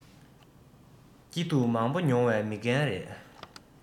སྐྱིད སྡུག མང པོ མྱོང བའི མི རྒན རེད